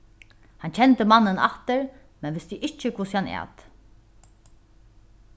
hann kendi mannin aftur men visti ikki hvussu hann æt